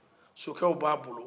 sokɛw b'a bolo